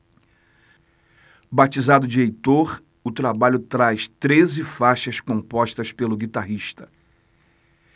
batizado de heitor o trabalho traz treze faixas compostas pelo guitarrista